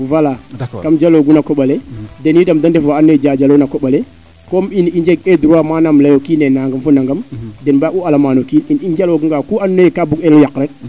voila kam jalogu na koɓale denitam nde ndef waa ando naye jajalo na koɓale comme in i njeg ee droit manaam leyo kiine nangam fo nangam den mbaang u alamano kiin i njalo ganag ku and naye kaa bug elo yaq rek